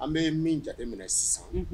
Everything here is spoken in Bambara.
An bɛ min ja e minɛ sisan